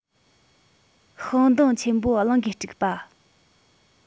ཤིང སྡོང ཆེན པོ རླུང གིས སྤྲུགས པ